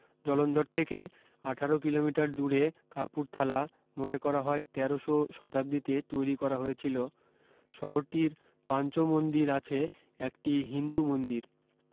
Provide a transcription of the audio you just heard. জলন্ধর থেকে আঠারো কিলোমিটার দূরে কাপুরথালা মনে করা হয় তেরোশ শতাব্দীতে তৈরী করা হয়েছিলো শহরটির পাঞ্চ মন্দির আছে একটি হিন্দু মন্দির